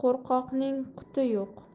qo'rqoqning quti yo'q